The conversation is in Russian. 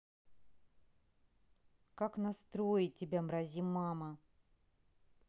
как настроить тебя мрази мама